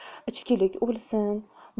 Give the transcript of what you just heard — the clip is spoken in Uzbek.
ichkilik o'lsin